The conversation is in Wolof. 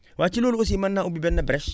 waaw ci loolu aussi mën naa ubbi benn brèche